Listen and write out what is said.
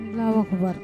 Baba